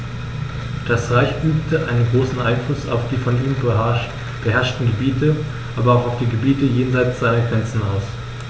Das Reich übte einen großen Einfluss auf die von ihm beherrschten Gebiete, aber auch auf die Gebiete jenseits seiner Grenzen aus.